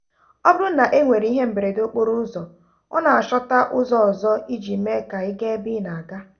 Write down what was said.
Ọ bụrụ na enwere ihe mberede n'okporo ụzọ ọ na-achọta ụzọ ọzọ iji mee ka ị gaa ebe ị na-aga.